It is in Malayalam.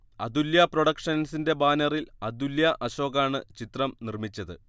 അതുല്യ പ്രൊഡക്ഷൻസിന്റെ ബാനറിൽ അതുല്യ അശോകാണ് ചിത്രം നിർമ്മിച്ചത്